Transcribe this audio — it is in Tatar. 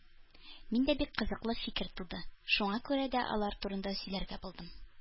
Миндә бик кызыклы фикер туды, шуңа күрә дә алар турында сөйләргә булдым